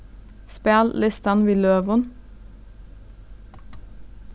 spæl listan við løgum